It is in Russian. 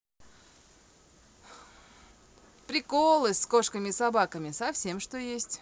приколы с кошками и собаками совсем что есть